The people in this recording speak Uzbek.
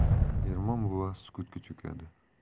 ermon buva sukutga cho'kadi